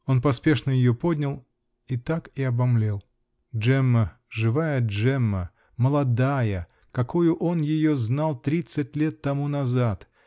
Он поспешно ее поднял -- и так и обомлел: Джемма, живая Джемма, молодая, какою он ее знал тридцать лет тому назад!